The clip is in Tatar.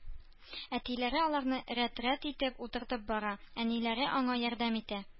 Әтиләре аларны рәт-рәт итеп утыртып бара, әниләре аңа ярдәм итә